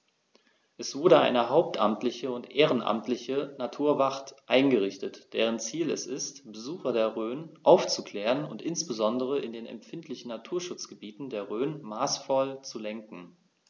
Es wurde eine hauptamtliche und ehrenamtliche Naturwacht eingerichtet, deren Ziel es ist, Besucher der Rhön aufzuklären und insbesondere in den empfindlichen Naturschutzgebieten der Rhön maßvoll zu lenken.